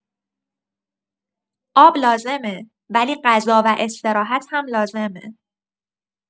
آب لازمه، ولی غذا و استراحت هم لازمه.